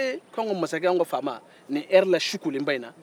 ko ee an ka faama ni ɛri in na su kolen